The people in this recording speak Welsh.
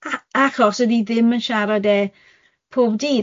A- achos o'dd hi ddim yn siarad e pob dydd.